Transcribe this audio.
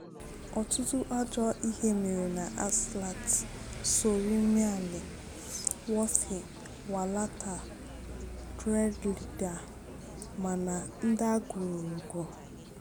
Ọtụtụ ajọ ihe mere na Azlatt, Sory Malé, Wothie, Walata, Jreida ma na ndagwurugwu.